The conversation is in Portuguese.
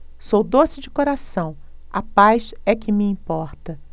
sou doce de coração a paz é que me importa